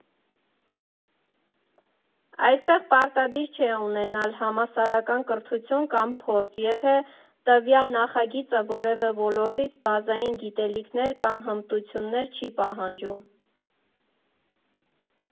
Այստեղ պարտադիր չէ ունենալ համալսարանական կրթություն կամ փորձ, եթե տվյալ նախագիծը որևէ ոլորտից բազային գիտելիքներ կամ հմտություններ չի պահանջում.